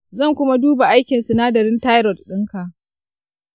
zan kuma duba aikin sinadarin thyroid ɗin ka.